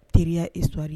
Teriyaewari